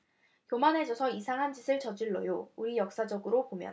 교만해져서 이상한 짓을 저질러요 우리 역사적으로 보면